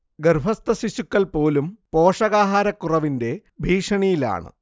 ഗർഭസ്ഥ ശിശുക്കൾ പോലും പോഷകാഹാരക്കുറവിന്റെ ഭീഷണിയിലാണ്